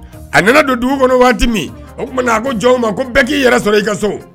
A nana don dugu kɔnɔ waati min o tuma a ko jɔn ma ko n bɛɛ k'i yɛrɛ sɔrɔ i ka so